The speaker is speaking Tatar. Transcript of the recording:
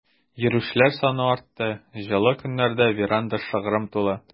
Йөрүчеләр саны артты, җылы көннәрдә веранда шыгрым тулы.